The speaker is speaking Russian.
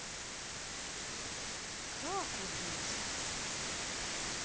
как убить